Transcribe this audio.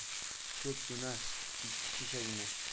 ko'p emas ikki shishagina